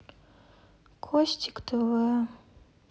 костик тв